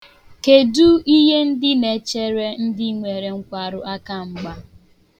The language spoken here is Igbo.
Kedu ihe ndị na-echere ndị nwere nkwarụ akamgba?